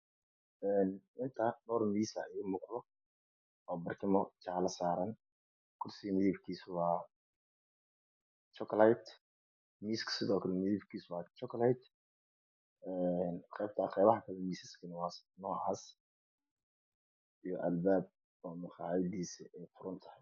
Meshan dhoor miis ayaa imuqdo oo barkimo jaalo saran kursiga madabkiso waa jukuleed misku nah waa jukuleed qeebaha kala neh nucaas iyo albaab maqayadisa furan tahay